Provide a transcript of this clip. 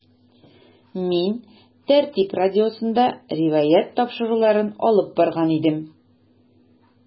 “мин “тәртип” радиосында “риваять” тапшыруын алып барган идем.